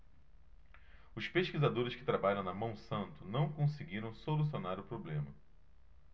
os pesquisadores que trabalham na monsanto não conseguiram solucionar o problema